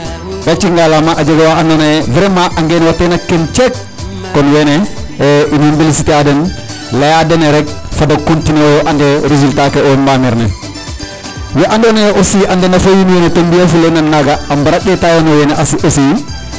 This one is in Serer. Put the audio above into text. Gace ngalama a jega wa andoona yee vraiment a ngeenwa teen a keñ ceek kon wene in way feliciter a den layaa den ee rek fat da continuer ooyo, layaa den ee résultat ke owey mbamir ne we andoona yee aussi a nanda fo wiin wene to mbi'afulee nand naaga a mbara ɗeetaayo no wene aussi.